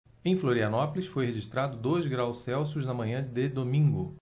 em florianópolis foi registrado dois graus celsius na manhã de domingo